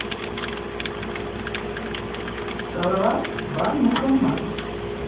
салават бар мухаммад